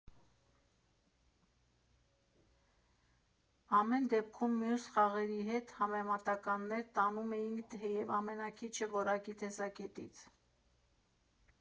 Ամեն դեպքում, մյուս խաղերի հետ համեմատականներ տանում էինք, թեև ամենաքիչը՝ որակի տեսակետից։